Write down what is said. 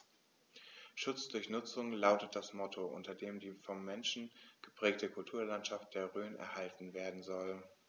„Schutz durch Nutzung“ lautet das Motto, unter dem die vom Menschen geprägte Kulturlandschaft der Rhön erhalten werden soll.